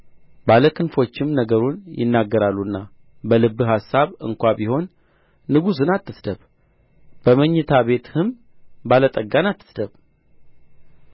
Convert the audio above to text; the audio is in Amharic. ባለ ክንፎችም ነገሩን ይናገራሉና በልብህ አሳብ እንኳ ቢሆን ንጉሥን አትስደብ በመኝታ ቤትህም ባለጠጋን አትስደብ